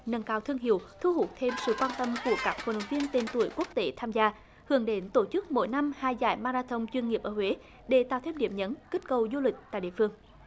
nâng cao thương hiệu thu hút thêm sự quan tâm của các vận động viên tên tuổi quốc tế tham gia hướng đến tổ chức mỗi năm hai giải ma ra thông chuyên nghiệp ở huế để tạo thêm điểm nhấn kích cầu du lịch tại địa phương